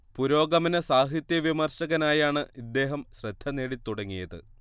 പുരോഗമന സാഹിത്യവിമർശകനായാണ് ഇദ്ദേഹം ശ്രദ്ധ നേടിത്തുടങ്ങിയത്